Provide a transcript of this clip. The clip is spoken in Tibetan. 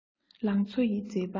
ལང ཚོ ཡི མཛེས པ